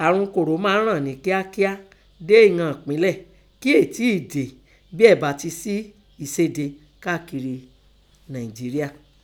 Àrùn kòró máa ranni kẹ́ákẹ́á dé ìnan ẹ̀pínlẹ̀ kí éè tíì dé bín ẹ́ bá sí ẹ̀séde káàkiri Nàìnjéríà.